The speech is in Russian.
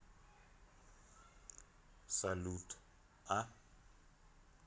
salut а